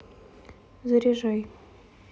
заряжай